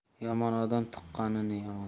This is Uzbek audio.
yomon odam tuqqanini yomonlar